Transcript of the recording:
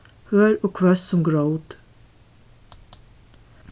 hørð og hvøss sum grót